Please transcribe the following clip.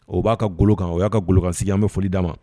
O b'a ka golokan o y'a ka golokansigi an bɛ foli'a ma